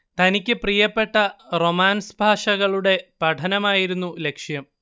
തനിക്ക് പ്രിയപ്പെട്ട റൊമാൻസ് ഭാഷകളുടെ പഠനമായിരുന്നു ലക്ഷ്യം